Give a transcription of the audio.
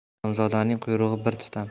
haromzodaning quyrug'i bir tutam